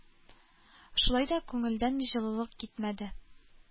Шулай да күңелдән җылылык китмәде.